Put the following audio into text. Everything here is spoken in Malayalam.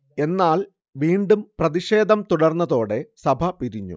എന്നാൽ വീണ്ടും പ്രതിഷേധം തുടർന്നതോടെ സഭ പിരിഞ്ഞു